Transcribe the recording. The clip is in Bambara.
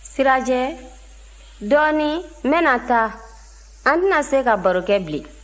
sirajɛ dɔɔnin n bɛna taa an tɛna se ka baro kɛ bilen